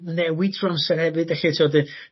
newid trw'r amser efyd felly t'od y